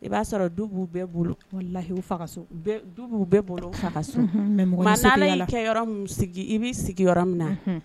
I ba sɔrɔ du bu bɛɛ bolo. Walayi u fa ka so. Du bu bɛɛ bolo u fa ka so. Mais ni Ala yi kɛ yɔrɔ sigi i bi sigi yɔrɔ min na Unhun